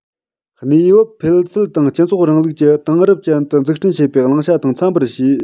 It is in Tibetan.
གནས བབ འཕེལ ཚུལ དང སྤྱི ཚོགས རིང ལུགས ཀྱི དེང རབས ཅན དུ འཛུགས སྐྲུན བྱེད པའི བླང བྱ དང འཚམ པར བྱས